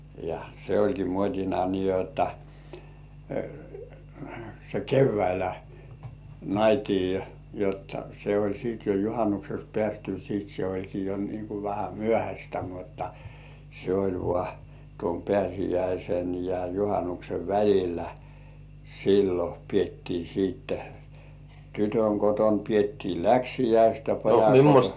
ja se olikin muotina niin jotta se keväisin naitiin jotta se oli sitten jo juhannukseksi päästyä sitten se olikin jo niin kuin vähän myöhäistä mutta se oli vain tuon pääsiäisen ja juhannuksen välillä silloin pidettiin sitten tytön kotona pidettiin läksiäiset ja pojan kotona